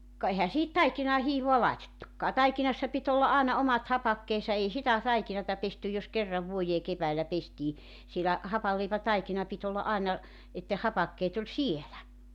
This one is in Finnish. ka eihän siihen taikinaan hiivaa laitettukaan taikinassa piti olla aina omat hapakkeensa ei sitä taikinaa pesty jos kerran vuoteen keväällä pestiin siellä hapanleipätaikina piti olla aina että ne hapakkeet oli siellä